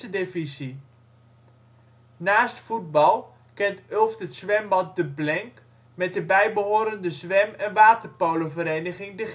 divisie. Naast voetbal kent Ulft het zwembad De Blenk met de bijbehorende zwem - en waterpolovereniging De Gendten